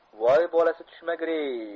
voy bolasi tushmagur ey